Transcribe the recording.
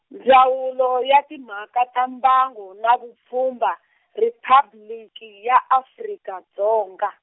Ndzawulo ya Timhaka ta Mbango na Vupfhumba , Riphabliki ya Afrika Dzonga.